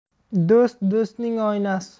do'st do'stning oynasi